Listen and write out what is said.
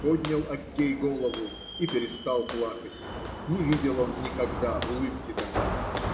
поднял Аггей голову и перестал плакать: не видел он никогда улыбки такой.